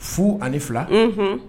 0 ani 2, unhun.